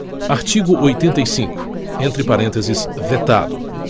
artigo oitenta e cinco entre parênteses vetado